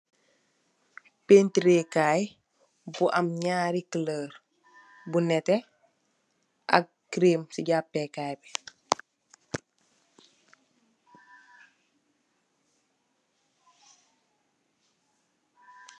Pinture kaye bu am nyari koloor bu neteh ak kerem se japekaye be.